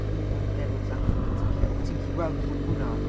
Am fod yn devil's advocate ella wyt ti'n gallu gweld trwy hwnna...